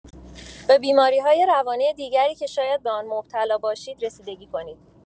به بیماری‌های روانی دیگری که شاید به آن مبتلا باشید رسیدگی کنید.